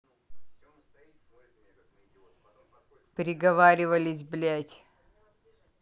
приговаривались блядь